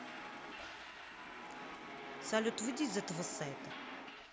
салют выйди из этого сайта